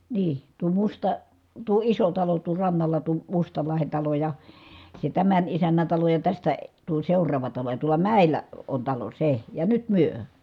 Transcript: niin tuo - tuo iso talo tuo rannalla tuo Mustalahden talo ja se tämän isännän talo ja tästä tuo seuraava talo ja tuolla mäellä on talo se ja nyt me